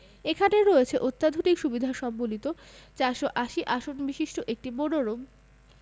এখানে রয়েছে অত্যাধুনিক সুবিধা সম্বলিত ৪৮০ আসন বিশিষ্ট একটি মনোরম